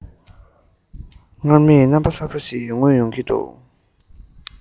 སྔར མེད ཀྱི རྣམ པ གསར པ ཞིག མངོན ཡོང གི འདུག